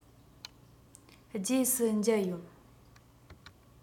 རྗེས སུ མཇལ ཡོང